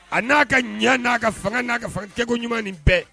A n'a ka ɲa n' a ka fanga n' a ka fangajɛko ɲuman nin bɛɛ